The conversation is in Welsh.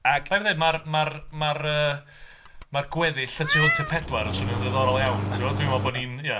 Ag... Mae'n rhaid i fi ddeud mae'r... mae'r... mae'r... yy mae'r gweddill y tu hwnt i'r pedwar yn swnio'n ddiddorol iawn, ti'bod, dwi'n meddwl bo' ni'n... ia.